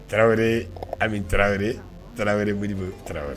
Tarawele ,Ami Tarawele. Tarawele Modibo Tarawele .